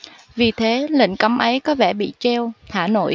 vì thế lệnh cấm ấy có vẻ bị treo thả nổi